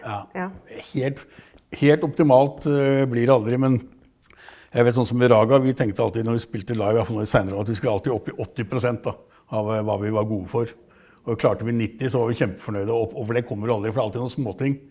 ja helt helt optimalt blir det aldri, men jeg vet sånn som med Raga, vi tenkte alltid når du spilte live i hvert fall nå i seinere år at vi skulle alltid opp i 80% da av hva vi var gode for og klarte vi 90 så var vi kjempefornøyde, og opp over det kommer du aldri for det er alltid noen småting.